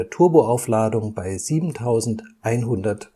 Turboaufladung) bei 7100/min